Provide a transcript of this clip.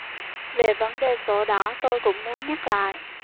về vấn đề sổ đỏ tôi cũng muốn nhắc lại